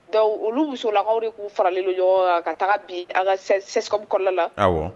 Donc olu musolakaw de tun faralen don ɲɔgɔn ka taga bi an ka CScom kɔnɔna la, awɔ.